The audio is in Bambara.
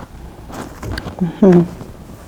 Un